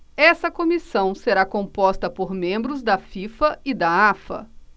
essa comissão será composta por membros da fifa e da afa